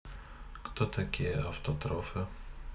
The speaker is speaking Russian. кто такие автотрофы